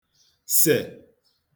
sè